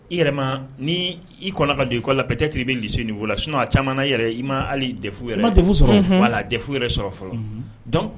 I yɛrɛ ma ni i kɔnna ka don école la pet être i bɛ lycée niveau la, sinon a caman na hali DEF yɛrɛ, voila DEF yɛrɛ sɔrɔ fɔlɔ, donc